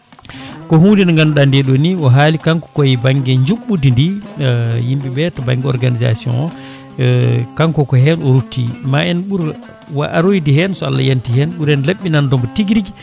ko hunde nde ganduɗa nde ɗo ni o haali kanko koye banggue juɓɓudi ndi yimɓeɓe to banggue organisation o kanko ko hen o rutti ma en ɓuur aroyde hen so Allah yanti hen ɓuuren laɓɓinandemo tigui rigui